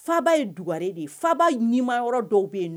Faba ye dugwarɛ de ye famayɔrɔ dɔw bɛ ye